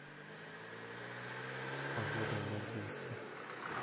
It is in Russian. погода в ногинске